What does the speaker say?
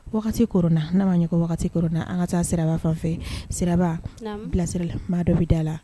K na n ne b' ma ɲɛ koɔrɔn na an ka taa siraba fan fɛ sira bila sira la b' dɔ bɛ da la